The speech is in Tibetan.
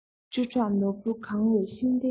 བཅུ ཕྲག ནོར བུས གང བའི ཤེས ལྡན ཡིན